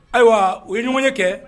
Ayiwa u ye ɲuman ye kɛ